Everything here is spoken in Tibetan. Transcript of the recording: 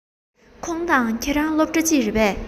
ཁོང དང ཁྱོད རང སློབ གྲྭ གཅིག རེད པས